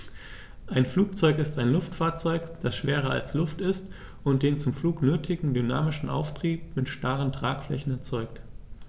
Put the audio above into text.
Ein Flugzeug ist ein Luftfahrzeug, das schwerer als Luft ist und den zum Flug nötigen dynamischen Auftrieb mit starren Tragflächen erzeugt.